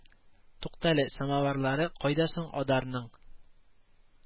Туктале, самоварлары кайда сон, адарның